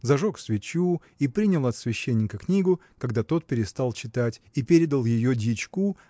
зажег свечу и принял от священника книгу когда тот перестал читать и передал ее дьячку